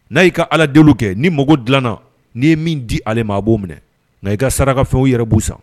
N'a'i ka ala deli kɛ ni mago dilanna'i ye min di ale maa b' minɛ nka i ka saraka fɛ u yɛrɛ b'u san